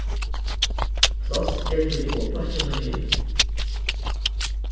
pláss er fyri uppvaskimaskinu